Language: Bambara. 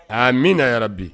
A min na yɔrɔ bi